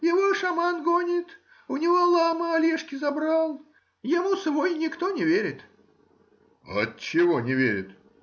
его шаман гонит, у него лама олешки забрал, ему свой никто не верит. — Отчего не верит?